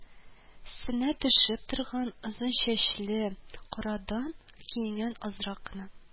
Сенә төшеп торган озын чәчле, карадан киенгән азрак кына